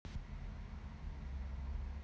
что не работает это уебало